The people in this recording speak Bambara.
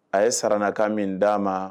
A ye saranakan min da ma